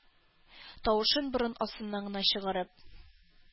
Тавышын борын астыннан гына чыгарып: